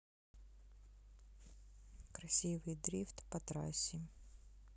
красивый дрифт по трассе